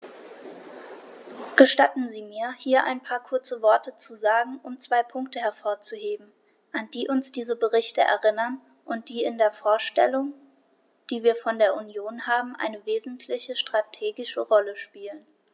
Gestatten Sie mir, hier ein paar kurze Worte zu sagen, um zwei Punkte hervorzuheben, an die uns diese Berichte erinnern und die in der Vorstellung, die wir von der Union haben, eine wesentliche strategische Rolle spielen.